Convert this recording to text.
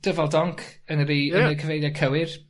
Dyfal donc yn yr u-... Ie. ...yn y cyfeiriad cywir.